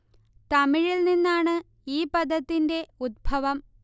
തമിഴിൽ നിന്നാണ് ഈ പദത്തിന്റെ ഉദ്ഭവം